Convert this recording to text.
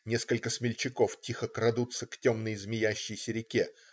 Несколько смельчаков тихо крадутся к темной, змеящейся реке.